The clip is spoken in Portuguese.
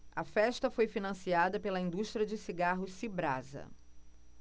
a festa foi financiada pela indústria de cigarros cibrasa